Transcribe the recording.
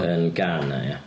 Yn Ghana ia.